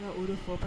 Ŋa o de fɔ ka